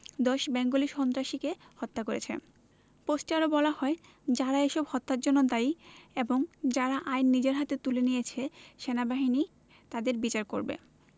১০ Bengali সন্ত্রাসীকে হত্যা করেছে পোস্টে আরো বলা হয় যারা এসব হত্যার জন্য দায়ী এবং যারা আইন নিজের হাতে তুলে নিয়েছে সেনাবাহিনী তাদের বিচার করবে